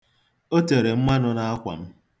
O tere m mmanụ n'akwa m.